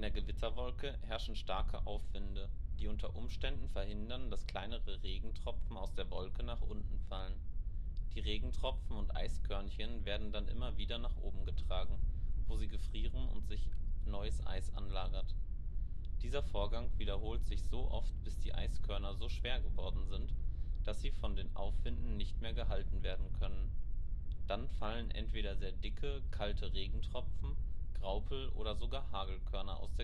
Gewitterwolke herrschen starke Aufwinde, die u. U. verhindern, dass kleinere Regentropfen aus der Wolke nach unten fallen. Die Regentropfen und Eiskörnchen werden dann immer wieder nach oben getragen, wo sie gefrieren und sich neues Eis anlagert. Dieser Vorgang wiederholt sich so oft bis die Eiskörner so schwer geworden sind, dass sie von den Aufwinden nicht mehr gehalten werden können. Dann fallen entweder sehr dicke, kalte Regentropfen, Graupel oder sogar Hagelkörner aus